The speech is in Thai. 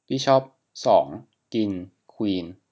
บิชอปสองกินควีน